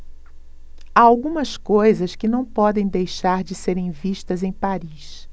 há algumas coisas que não podem deixar de serem vistas em paris